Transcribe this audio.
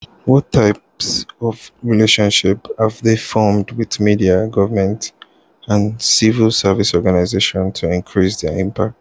What types of relationships have they formed with media, government, and civil society organizations to increase their impact?